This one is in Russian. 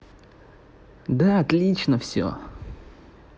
да отлично все